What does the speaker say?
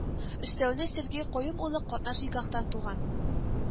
Өстәвенә, Сергей Каюм улы катнаш никахтан туган